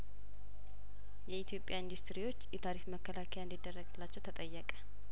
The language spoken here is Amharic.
የኢትዮጵያ ኢንዱስትሪዎች የታሪፍ መከላከያእንዲደረግላቸው ተጠየቀ